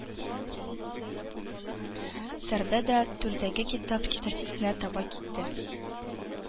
Торды да түрдәге китап киштәсенә таба китте